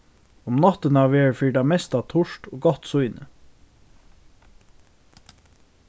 um náttina verður fyri tað mesta turt og gott sýni